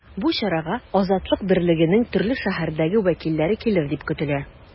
Бу чарага “Азатлык” берлегенең төрле шәһәрдәге вәкилләре килер дип көтелә.